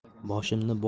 boshimni bosh desam